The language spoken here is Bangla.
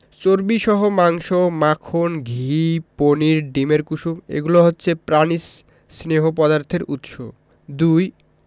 চর্বিসহ মাংস মাখন ঘি পনির ডিমের কুসুম এগুলো হচ্ছে প্রাণিজ স্নেহ পদার্থের উৎস ২.